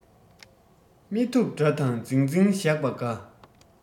མི ཐུབ དགྲ དང འཛིང འཛིང བཞག པ དགའ